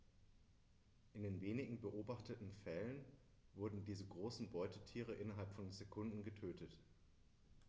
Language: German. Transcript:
In den wenigen beobachteten Fällen wurden diese großen Beutetiere innerhalb von Sekunden getötet.